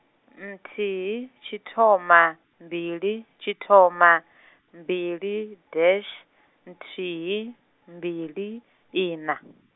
nthihi, tshithoma, mbili, tshithoma, mbili, dash, nthihi, mbili, ina.